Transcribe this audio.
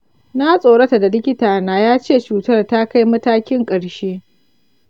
na tsorata da likitana ya ce cutar ta kai matakin ƙarshe.